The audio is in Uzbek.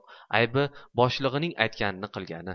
aybi boshlig'ining aytganini qilgani